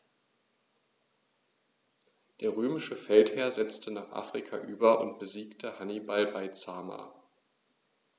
Der römische Feldherr setzte nach Afrika über und besiegte Hannibal bei Zama.